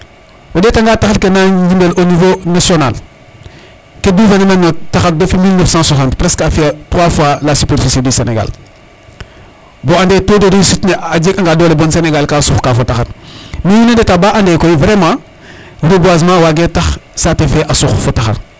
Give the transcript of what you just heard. o ɗeta nga taxar ke na njimel au nivau national ke dufena meen no taxar depuis mille neuf cent soixance presque a fiya trois fois la superficie du Senegal bo o ande taux de reussite ne a jeg anga doole bon Senegal ka suxka fo taxar mais wiin we ndeta koy ba ande koy vraiment reboisement wage tax saate fe a sux fo taxar